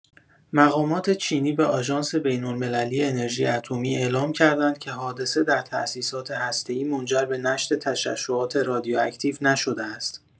مقامات چینی به آژانس بین‌المللی انرژی اتمی اعلام کردند که حادثه در تاسیسات هسته‌ای منجر به نشت تشعشعات رادیواکتیو نشده است.